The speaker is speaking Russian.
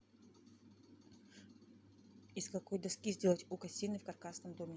из какой доски сделать укосины в каркасном доме